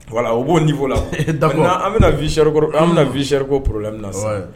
Voilà u b'o niveau la d'accord an bɛ na vie chère ko problème na sisan